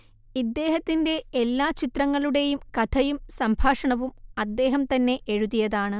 ഇദ്ദേഹത്തിന്റെ എല്ലാ ചിത്രങ്ങളുടെയു കഥയും സംഭാഷണവും അദ്ദേഹംതന്നെ എഴുതിയതാണ്